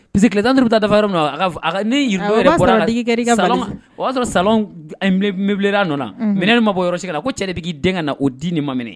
Bilisi kiletan ni bɛ taa dafa yɔrɔ i o y'a sɔrɔ sab nɔ minɛnen ma bɔ yɔrɔsi kan ko cɛ de bɛ k'i denkɛ ka na o di nin ma minɛ